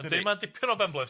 Yndi, ma'n dipyn o benbleth...